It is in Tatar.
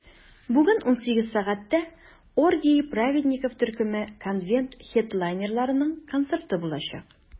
Бүген 18 сәгатьтә "Оргии праведников" төркеме - конвент хедлайнерларының концерты булачак.